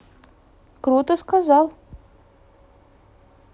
круто сказал